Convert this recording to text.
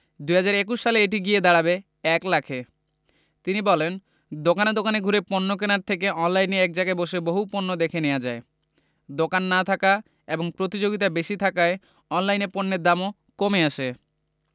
২০২১ সালে এটি গিয়ে দাঁড়াবে ১ লাখে তিনি বলেন দোকানে দোকানে ঘুরে পণ্য দেখার থেকে অনলাইনে এক জায়গায় বসে বহু পণ্য দেখে নেওয়া যায় দোকান না থাকা এবং প্রতিযোগিতা বেশি থাকায় অনলাইনে পণ্যের দামও কমে আসে